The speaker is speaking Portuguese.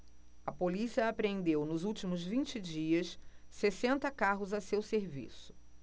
a polícia apreendeu nos últimos vinte dias sessenta carros a seu serviço